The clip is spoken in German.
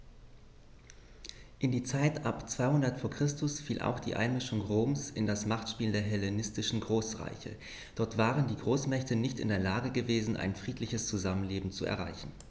In die Zeit ab 200 v. Chr. fiel auch die Einmischung Roms in das Machtspiel der hellenistischen Großreiche: Dort waren die Großmächte nicht in der Lage gewesen, ein friedliches Zusammenleben zu erreichen.